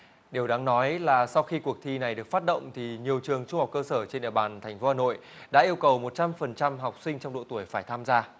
điều đáng nói là sau khi cuộc thi này được phát động thì nhiều trường trung học cơ sở trên địa bàn thành phố hà nội đã yêu cầu một trăm phần trăm học sinh trong độ tuổi phải tham gia